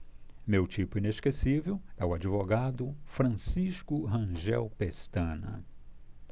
meu tipo inesquecível é o advogado francisco rangel pestana